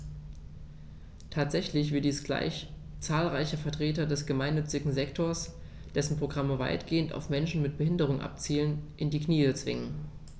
Tatsächlich wird dies gleich zahlreiche Vertreter des gemeinnützigen Sektors - dessen Programme weitgehend auf Menschen mit Behinderung abzielen - in die Knie zwingen.